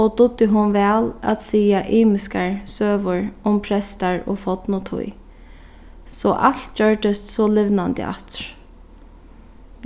og dugdi hon væl at siga ymiskar søgur um prestar og fornu tíð so alt gjørdist so aftur